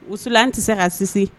Wusulan ti se ka sisi